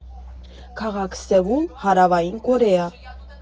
Քաղաք՝ Սեուլ, Հարավային Կորեա։